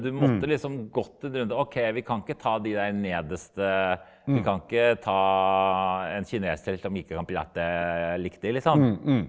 du måtte liksom gått en runde ok vi kan ikke ta de der nederste vi kan ikke ta en kineser som ikke kan prate riktig liksom.